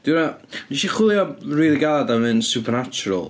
'Di hwnna... Wnes i chwilio'n rili galed am un supernatural.